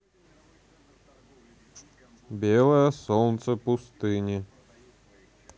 белое солнце пустыни